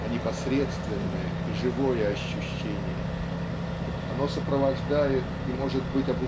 а непосредственное и живое ощущение. Оно сопровождает и может быть